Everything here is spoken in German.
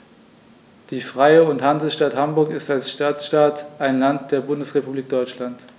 Die Freie und Hansestadt Hamburg ist als Stadtstaat ein Land der Bundesrepublik Deutschland.